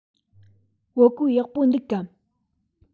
བོད གོས ཡག པོ འདུག གམ